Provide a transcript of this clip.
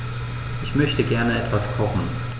Ich möchte gerne etwas kochen.